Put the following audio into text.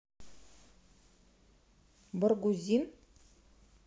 баргузин